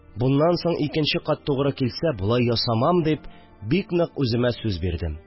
«буннан соң икенче кат тугры килсә, болай ясамам», – дип, бик нык үземә сүз бирдем